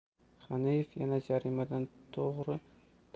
g'aniyev yana jarimadan